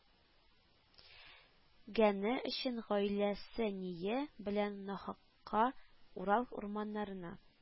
Гәне өчен гаиләсе-ние белән нахакка урал урманнарына